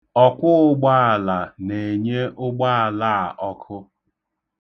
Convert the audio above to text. Ọkwụụgbaala na-enye ụgbaala a ọkụ